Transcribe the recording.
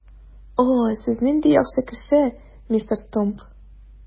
О, сез нинди яхшы кеше, мистер Стумп!